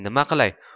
nima qilay